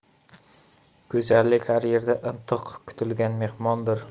go'zallik har yerda intiq kutilgan mehmondir